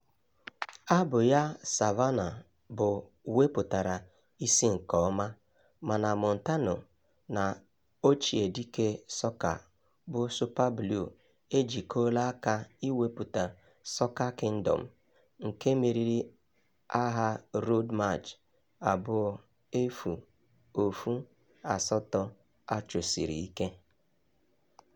Abụ ya, "Savannah", bụ wepụtara isi nke ọma, mana Montano na ochiedike sọka bụ Superblue ejikọọla aka iwepụta "Soca Kingdom", nke meriri aha Road March 2018 a chọsiri ike.